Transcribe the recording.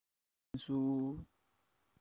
ཀན སུའུ